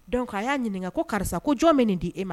Dɔn a y'a ɲininka ko karisa ko jɔn min nin di' e ma